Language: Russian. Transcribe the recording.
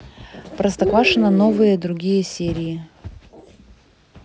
простоквашино новые другие серии